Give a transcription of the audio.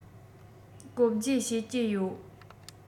གོ བརྗེ བྱེད ཀྱི ཡོད